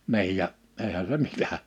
niin ja eihän se mitä